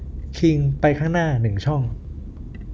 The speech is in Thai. คิงไปข้างหน้าหนึ่งช่อง